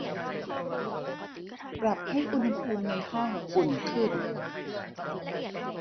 ปรับให้อุณหภูมิในห้องอุ่นขึ้น